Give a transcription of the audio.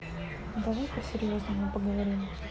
давай по серьезному поговорим